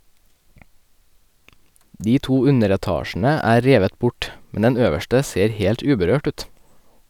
De to underetasjene er revet bort, men den øverste ser helt uberørt ut.